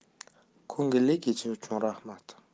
ko'ngilli kecha uchun rahmat